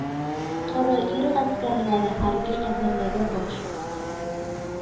Коры ир гаскәрләре хәрби әзерлеге баш